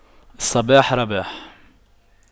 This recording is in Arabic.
الصباح رباح